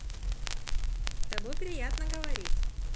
тобой приятно говорить